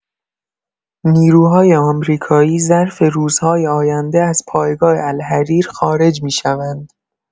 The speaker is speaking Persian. نیروهای آمریکایی ظرف روزهای آینده از پایگاه الحریر خارج می‌شوند.